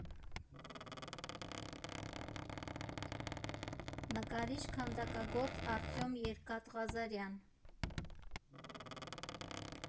Նկարիչ֊քանդակագործ Արտյոմ Երկաթ Ղազարյան։